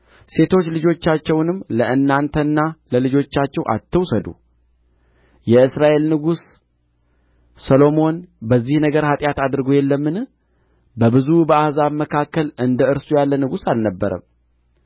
ሴቶች ልጆቻቸውንም ለእናንተና ለልጆቻችሁ አትውሰዱ የእስራኤል ንጉሥ ሰሎሞን በዚህ ነገር ኃጢአት አድርጎ የለምን በብዙ አሕዛብም መካከል እንደ እርሱ ያለ ንጉሥ አልነበረም